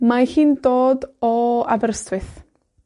Mae hi'n dod o Aberystwyth.